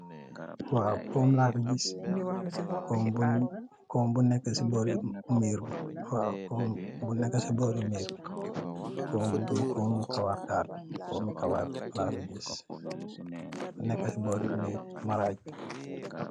Komb la fi ngis , komb bu nekka ci borri miir bi , komb bi komb kawarr dal.